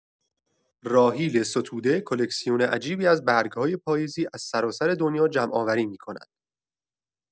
راحیل ستوده، کلکسیون عجیبی از برگ‌های پاییزی از سراسر دنیا جمع‌آوری می‌کند.